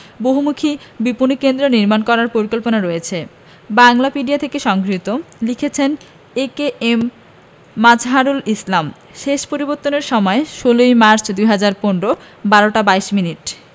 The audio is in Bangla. বহুমুখী বিপণি কেন্দ্রও নির্মাণ করার পরিকল্পনা রয়েছে বাংলাপিডিয়া থেকে সংগৃহীত লিখেছেনঃ এ.কে.এম মাযহারুল ইসলাম শেষ পরিবর্তনের সময় ১৬ মার্চ ২০১৫ ১২টা ২২ মিনিট